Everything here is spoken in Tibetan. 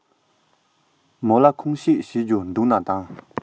མོ ལ ཁུངས སྐྱེལ བྱེད རྒྱུ འདུག ན དང